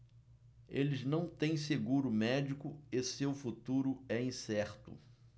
eles não têm seguro médico e seu futuro é incerto